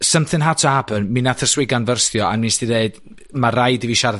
something had to happen mi nath y swigan fyrstio a mi nes di ddeud ma' raid i fi siarad